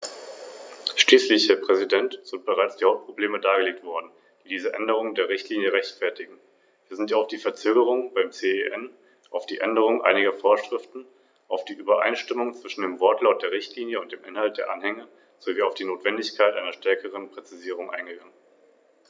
Wenn die Frau Kommissarin das heute nicht machen kann, wäre sie dann bereit, dem Ausschuss schriftlich den Stand der Dinge und den Stand der Verhandlungen zwischen CEN und Wirtschaftskommission zu übermitteln?